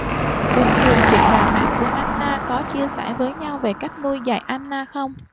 bình thường chị và mẹ của anna có chia sẻ với nhau về cách nuôi dạy anna không